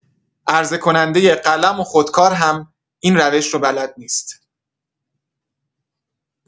عرضه‌کننده قلم و خودکار هم این روش رو بلد نیست.